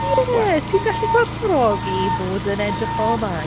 Ie, ti'n gallu gwerthfawrogi bod yn edrych fel mae.